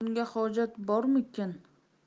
bunga hojat bormikin